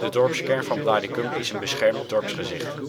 dorpskern van Blaricum is een beschermd dorpsgezicht